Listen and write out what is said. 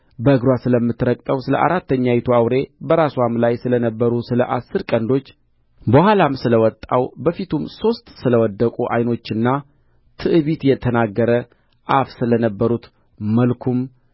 በእግርዋ ስለምትረግጠው ስለ አራተኛይቱ አውሬ በራስዋም ላይ ስለ ነበሩ ስለ አሥር ቀንዶች በኋላም ስለ ወጣው በፊቱም ሦስቱ ስለ ወደቁ ዓይኖችና ትዕቢት የተናገረ አፍ ስለ ነበሩት መልኩም